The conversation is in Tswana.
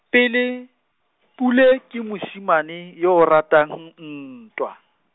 pele, Pule ke mosimane yo ratang ntwa.